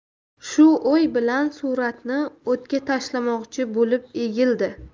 shu o'y bilan suratni o'tga tashlamoqchi bo'lib egildi